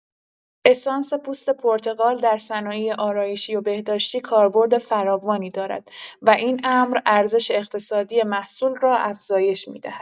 اسانس پوست پرتقال در صنایع آرایشی و بهداشتی کاربرد فراوانی دارد و این امر ارزش اقتصادی محصول را افزایش می‌دهد.